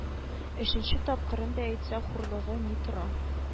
Өченче тапкырын да әйтсә хурлыгы ни тора